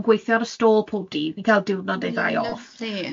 Ma'n gweithio ar y stall pob dydd, fi'n cael diwrnod neu ddau off.